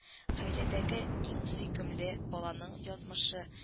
Гаиләдәге иң сөйкемле баланың язмышы